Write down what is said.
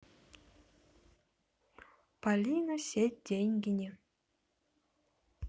полина сеть деньгине